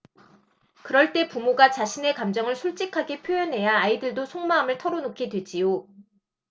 그럴 때 부모가 자신의 감정을 솔직하게 표현해야 아이들도 속마음을 털어 놓게 되지요